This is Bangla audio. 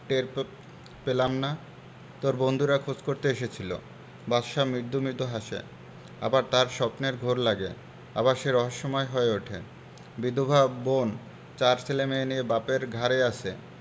টের পেলাম না তোর বন্ধুরা খোঁজ করতে এসেছিলো বাদশা মৃদু মৃদু হাসে আবার তার স্বপ্নের ঘোর লাগে আবার সে রহস্যময় হয়ে উঠে বিধবা বোন চার ছেলেমেয়ে নিয়ে বাপের ঘাড়ে আছে